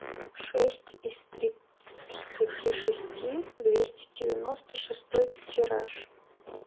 шесть из тридцати шести двести девяносто шестой тираж